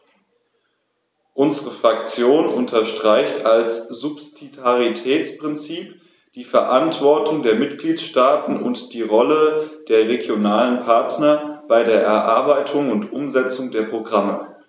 Unsere Fraktion unterstreicht das Subsidiaritätsprinzip, die Verantwortung der Mitgliedstaaten und die Rolle der regionalen Partner bei der Erarbeitung und Umsetzung der Programme.